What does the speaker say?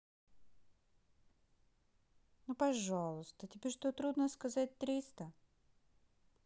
ну пожалуйста тебе что трудно сказать триста